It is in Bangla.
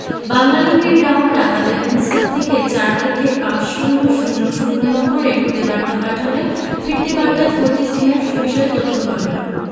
বাংলালিংকের গ্রাহকরা তাদের হ্যান্ডসেট থেকে ৪ লিখে পাঁচ শূণ্য শূণ্য শূণ্য নম্বরে খুদে বার্তা পাঠালে ফিরতি বার্তায় ফোরজি সিমের বিষয়ে তথ্য পাবেন